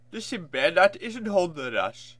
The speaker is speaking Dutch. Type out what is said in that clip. De sint-bernard is een hondenras